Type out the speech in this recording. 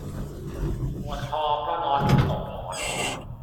ปวดคอเพราะนอนตกหมอน